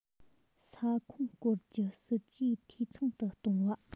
ས ཁོངས སྐོར གྱི སྲིད ཇུས འཐུས ཚང དུ གཏོང བ